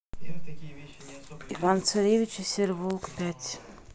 иван царевич и серый волк пять